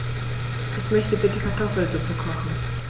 Ich möchte bitte Kartoffelsuppe kochen.